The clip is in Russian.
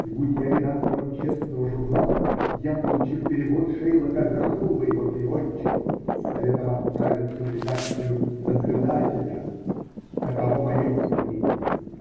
и будь я редактором честного журнала, я, получив перевод "Шейлока", вернул бы его переводчику с советом отправиться в редакцию "Наблюдателя". Таково мое мнение.